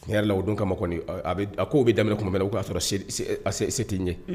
Ni yɛrɛ la o don kama a a k'o bɛ daminɛ tumabɛn na o y'a sɔrɔ se tɛ'i ɲɛ